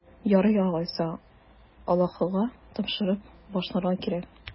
Ярый алайса, Аллаһыга тапшырып башларга кирәк.